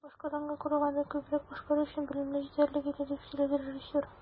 "башкарганга караганда күбрәк башкарыр өчен белемем җитәрлек иде", - дип сөйләде режиссер.